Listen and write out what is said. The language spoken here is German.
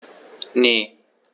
Ne.